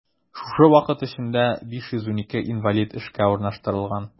Шушы вакыт эчендә 512 инвалид эшкә урнаштырылган.